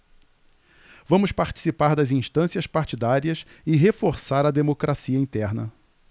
vamos participar das instâncias partidárias e reforçar a democracia interna